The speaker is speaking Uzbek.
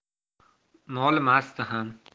nolimasdi ham